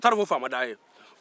u taara o fɔ faama daa ye